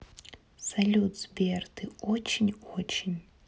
салют сбер ты очень очень